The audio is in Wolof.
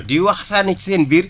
di waxtaane ci seen biir